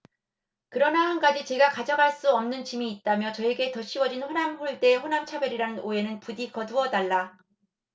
그러나 한 가지 제가 가져갈 수 없는 짐이 있다며 저에게 덧씌워진 호남홀대 호남차별이라는 오해는 부디 거두어 달라